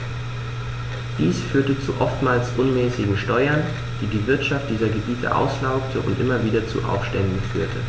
Dies führte zu oftmals unmäßigen Steuern, die die Wirtschaft dieser Gebiete auslaugte und immer wieder zu Aufständen führte.